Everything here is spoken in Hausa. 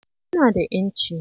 Yana da 'yanci.